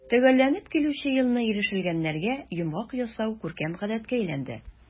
Төгәлләнеп килүче елны ирешелгәннәргә йомгак ясау күркәм гадәткә әйләнде.